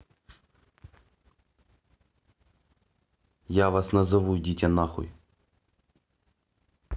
я вас назову идите нахуй